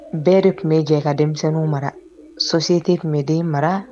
Bɛɛ de tun bɛ jɛ ka denmisɛnninw mara. Société tun bɛ den mara